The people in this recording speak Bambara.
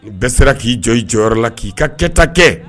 U bɛɛ sera k'i jɔ i jɔyɔrɔ la k'i ka kɛta kɛ